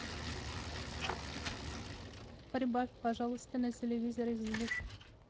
прибавь пожалуйста на телевизоре звук